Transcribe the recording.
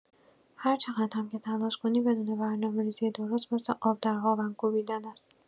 هر چقدر هم که تلاش کنی، بدون برنامه‌ریزی درست مثل آب در هاون کوبیدن است.